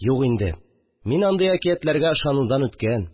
Юк инде, мин андый әкиятләргә ышанудан үткән